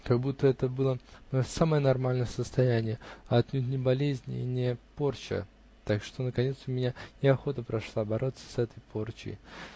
Как будто это было мое самое нормальное состояние, а отнюдь не болезнь и не порча, так что, наконец, у меня и охота прошла бороться с этой порчей.